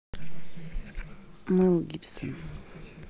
мэл гибсон